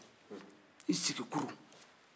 i sigi kurun